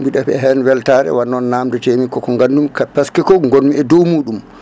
mbiɗe heeɓa hen weltare wonnoon namdetemi koko gandumi par ce :frea que ko gonmi e dow muɗum